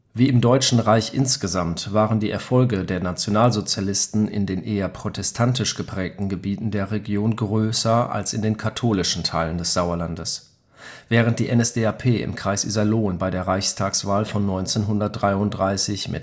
Wie im Deutschen Reich insgesamt waren die Erfolge der Nationalsozialisten in den eher protestantisch geprägten Gebieten der Region größer als in den katholischen Teilen des Sauerlandes. Während die NSDAP im Kreis Iserlohn bei der Reichstagswahl von 1933